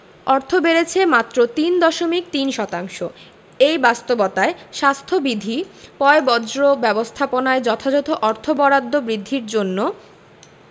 অর্থ বেড়েছে মাত্র তিন দশমিক তিন শতাংশ এই বাস্তবতায় স্বাস্থ্যবিধি পয়ঃবর্জ্য ব্যবস্থাপনায় যথাযথ অর্থ বরাদ্দ বৃদ্ধির জন্য